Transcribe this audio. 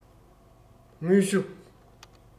དངོས ཤུགས